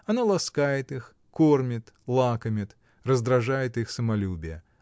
Она ласкает их, кормит, лакомит, раздражает их самолюбие.